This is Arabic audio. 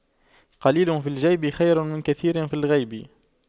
قليل في الجيب خير من كثير في الغيب